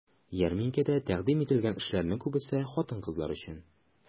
Ярминкәдә тәкъдим ителгән эшләрнең күбесе хатын-кызлар өчен.